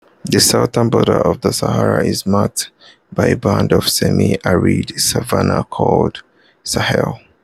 The southern border of the Sahara is marked by a band of semi-arid savanna called the Sahel.